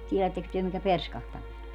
tiedättekös te mitä perskahtaminen on